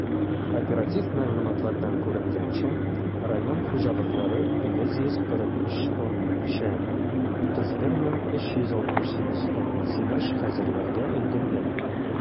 Оператив мәгълүматлардан күренгәнчә, район хуҗалыклары 943 тонна печән, 31368 тонна сенаж хәзерләргә өлгергән.